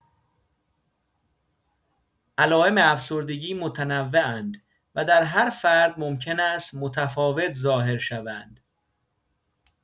علائم افسردگی متنوع‌اند و در هر فرد ممکن است متفاوت ظاهر شوند.